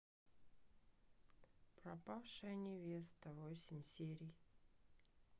пропавшая невеста восемь серий